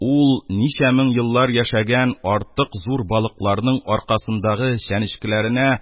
Ул ничә мең еллар яшәгән артык зур балыкларның аркасындагы чәнечкеләренә